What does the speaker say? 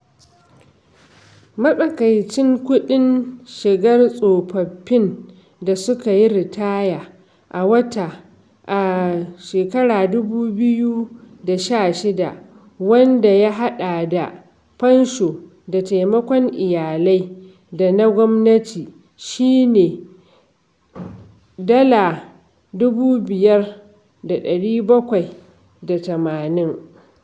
Matsakaicin kuɗin shigar tsofaffin da suka yi ritaya a wata a 2016 - wanda ya haɗa da fansho da taimakon iyalai da na gwamnati - shi ne HK$5,780 (Dalar Amurka 7320).